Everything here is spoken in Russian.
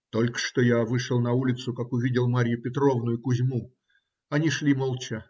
Только что я вышел на улицу, как увидел Марью Петровну и Кузьму. Они шли молча